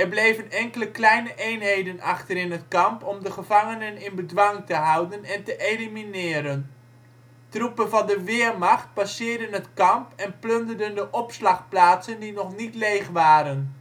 bleven enkele kleine eenheden achter in het kamp om de gevangenen in bedwang te houden en te elimineren. Troepen van de Wehrmacht passeerden het kamp en plunderden de opslagplaatsen die nog niet leeg waren